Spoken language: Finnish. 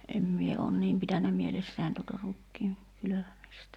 en minä olen niin pitänyt mielessäni tuota rukiin kylvämistä